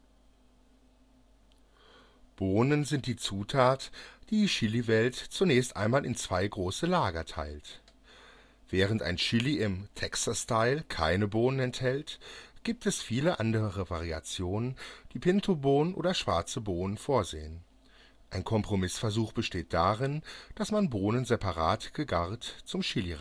Bohnen sind die Zutat, die die Chiliwelt zunächst einmal in zwei große Lager teilt. Während ein Chili im Texas Style keine Bohnen enthält, gibt es viele andere Variationen, die Pintobohnen oder schwarze Bohnen vorsehen. Ein Kompromissversuch besteht darin, dass man Bohnen separat gegart zum Chili